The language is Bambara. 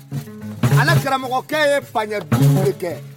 Ala karamɔgɔkɛ ye fa du kɛ